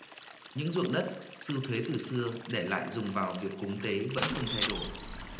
những ruộng đất sưu thuế từ xưa để lại dung vào việc cúng tế vẫn không thay đổi